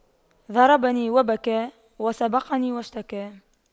ضربني وبكى وسبقني واشتكى